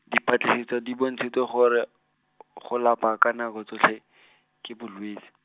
dipatlisiso di bontshitse gore , go lapa ka nako tsotlhe , ke bolwetsi.